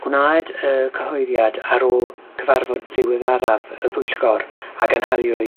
Gwnaed y cyhoeddiad ar ôl cyfarfod ddiweddaraf y pwyllgor, a ganhaliwyd